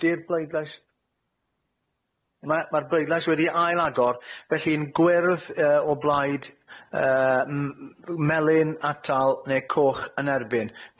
Ydi'r bleidlais ma' ma'r bleidlais wedi ail agor felly'n gwyrdd yy o blaid yy m- m- melyn atal ne' coch yn erbyn.